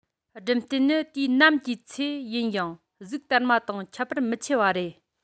སྦྲུམ རྟེན ནི དུས ནམ གྱི ཚེ ཡིན ཡང གཟུགས དར མ དང ཁྱད པར མི ཆེ བ རེད